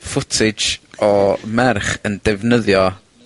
footage o merch yn defnyddio...